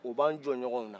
o b'an jɔnɲɔnw na